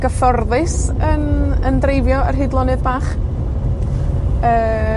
gyfforddus yn, yn dreifio ar hyd lonydd bach? Yy.